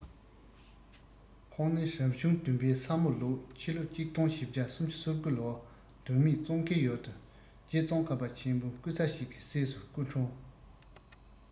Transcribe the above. ཁོང ནི རབ བྱུང བདུན པའི ས མོ ལུག ཕྱི ལོ ༡༤༣༩ ལོར མདོ སྨད ཙོང ཁའི ཡུལ དུ རྗེ ཙོང ཁ པ ཆེན པོའི སྐུ ཚ ཞིག གི སྲས སུ སྐུ འཁྲུངས